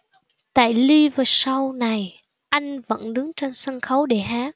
tại live show này anh vẫn đứng trên sân khấu để hát